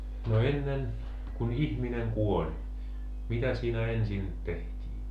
no ennen kun ihminen kuoli mitä siinä ensin tehtiin